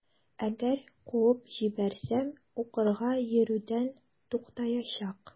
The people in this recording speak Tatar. Әгәр куып җибәрсәм, укырга йөрүдән туктаячак.